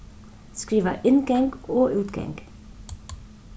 skriva inngang og útgang